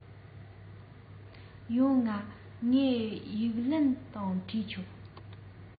ཡོང ང ངས ཡིག ལན ནང བྲིས ཆོག